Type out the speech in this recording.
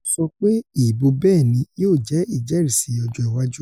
Ó sọ pé ìbò ''bẹ́ẹ̀ni'' yóò jẹ ''ìjẹ́ríìsí ọjọ́ iwájú wa.”